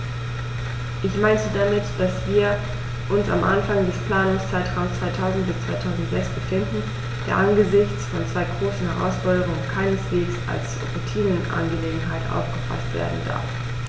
Ich meine damit, dass wir uns am Anfang des Planungszeitraums 2000-2006 befinden, der angesichts von zwei großen Herausforderungen keineswegs als Routineangelegenheit aufgefaßt werden darf.